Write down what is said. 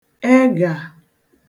ègaā